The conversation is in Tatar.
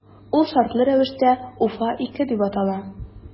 Ул шартлы рәвештә “Уфа- 2” дип атала.